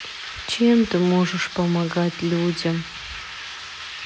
чем ты можешь помогать людям